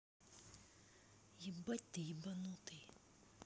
ебать ты ебанутый